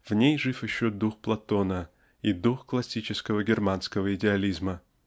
в ней жив еще дух Платона и дух классического германского идеализма.